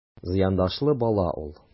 Зыяндашлы бала ул...